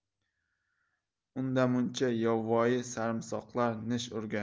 undamunda yovvoyi sarimsoqlar nish urgan